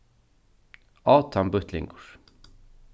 á tann býttlingur